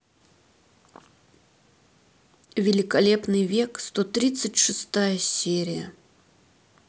великолепный век сто тридцать шестая серия